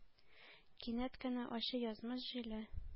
Кинәт кенә ачы язмыш җиле